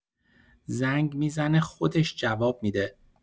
زنگ می‌زنه خودش جواب می‌ده